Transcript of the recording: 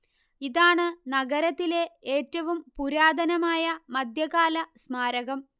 ഇതാണ് നഗരത്തിലെ ഏറ്റവും പുരാതനമായ മധ്യകാല സ്മാരകം